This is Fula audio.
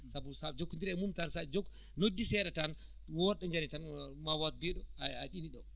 sabu so a jokkonndirii e mum tan so a jokku noddii seeɗa tan wodɓe jaari tan ma wood biiɗo a ɗina ɗo